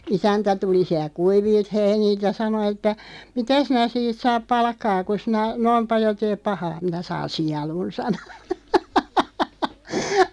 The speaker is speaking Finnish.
isäntä tuli sieltä kuivilta heiniltä ja sanoi että mitä sinä siitä saat palkkaa kun sinä noin paljon teet pahaa minä saan sielun sanoi